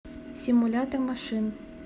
симулятор машин